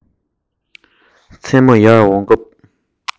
མཚན མོ ཡར འོང སྐབས